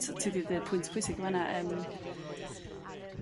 t- ti 'di dd'eu' pwynt pwysig yn fan 'na yrm .